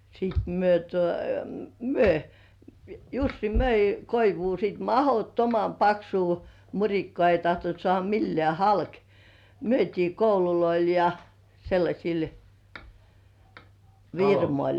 sitten me tuo - Jussi myi koivua sitten mahdottoman paksua murikkaa ei tahtonut saada millään halki myytiin kouluille ja sellaisille firmoille